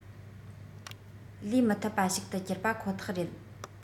ལས མི ཐུབ པ ཞིག ཏུ གྱུར པ ཁོ ཐག རེད